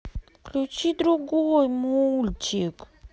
включи другой мультик